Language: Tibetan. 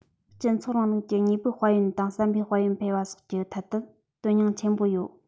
སྤྱི ཚོགས རིང ལུགས ཀྱི དངོས པོའི དཔལ ཡོན དང བསམ པའི དཔལ ཡོན སྤེལ བ སོགས ཀྱི ཐད དུ དོན སྙིང ཆེན པོ ཡོད